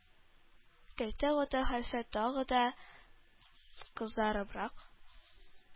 Кәлтә Гата хәлфә тагы да кызарыбрак,